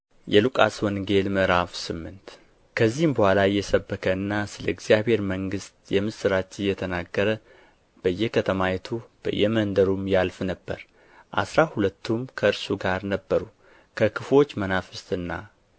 የሉቃስ ወንጌል ምዕራፍ ስምንት ከዚህም በኋላ እየሰበከና ስለ እግዚአብሔር መንግሥት የምሥራች እየተናገረ በየከተማይቱ በየመንደሩም ያልፍ ነበር አሥራ ሁለቱም ከእርሱ ጋር ነበሩ ከክፉዎች መናፍስትና